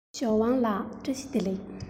ཞའོ ཝང ལགས བཀྲ ཤིས བདེ ལེགས